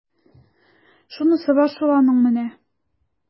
Шунысы бар шул аның менә! ..